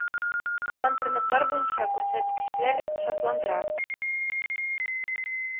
Калган предметлар буенча күрсәткечләр шатландыра.